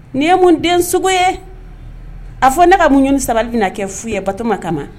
Nin ye mun den sugu ye a fɔ ne ka mun ɲini sabali na kɛ foyi ye batoma kama